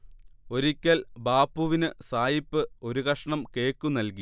ഒരിക്കൽ ബാപ്പുവിന് സായിപ്പ് ഒരു കഷ്ണം കേക്കു നല്കി